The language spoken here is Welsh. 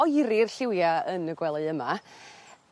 oeri'r lliwia' yn y gwely yma